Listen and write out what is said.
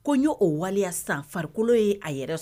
Ko n y'o waleya san farikolo ye a yɛrɛ sɔrɔ